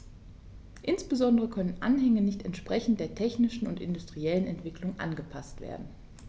Insbesondere können Anhänge nicht entsprechend der technischen und industriellen Entwicklung angepaßt werden.